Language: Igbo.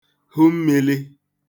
hu mmīlī